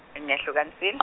ngehlukanisil- .